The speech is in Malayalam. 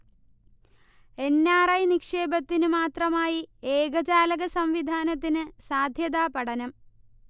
എൻ. ആർ. ഐ. നിക്ഷേപത്തിനു മാത്രമായി ഏകജാലക സംവിധാനത്തിനു സാധ്യതാ പഠനം